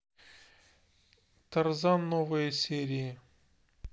тарзан новые серии